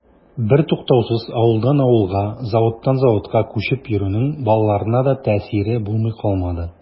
Бертуктаусыз авылдан авылга, заводтан заводка күчеп йөрүнең балаларына да тәэсире булмый калмады.